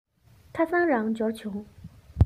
ཁ སང རང འབྱོར བྱུང